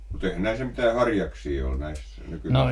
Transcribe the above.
mutta eihän näissä mitään harjaksia ole näissä nykyisissä